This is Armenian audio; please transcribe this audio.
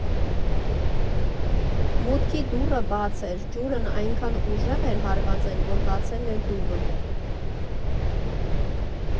Մուտքի դուռը բաց էր, ջուրն այնքան ուժեղ էր հարվածել, որ բացել էր դուռը։